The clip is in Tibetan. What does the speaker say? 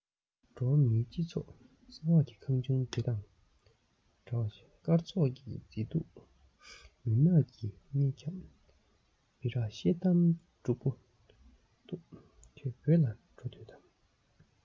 འགྲོ བ མིའི སྤྱི ཚོགས ས འོག གི ཁང ཆུང འདི དང འདྲ བ སྐར ཚོགས ཀྱི མཛེས སྡུག མུན ནག གི དམྱལ ཁམས སྦི རག ཤེལ དམ དྲུག པོ བཏུངས ཁྱོད བོད ལ འགྲོ འདོད དམ